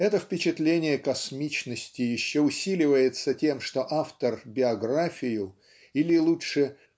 Это впечатление космичности еще усиливается тем что автор биографию или лучше